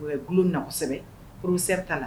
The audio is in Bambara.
U bɛ du nasɛbɛ olu sɛbɛn'a la